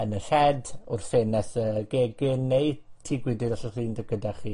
yn y sied, wrth ffenest y gegin neu tŷ gwydyr os o's 'na un 'da gyda chi.